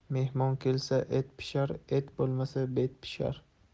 mehmon kelsa et pishar et bo'lmasa bet pishar